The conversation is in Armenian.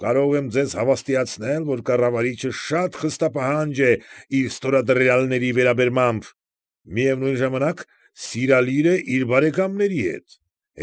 Կարող եմ ձեզ հավաստիացնել, որ կառավարիչը շատ խստապահանջ է իր ստորադրյալների վերաբերմամբ, միևնույն ժամանակ, սիրալիր է իր բարեկամների հետ։